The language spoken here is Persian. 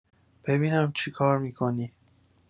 ببینم چیکار می‌کنی